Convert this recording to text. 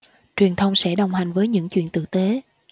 truyền thông sẽ đồng hành với những chuyện tử tế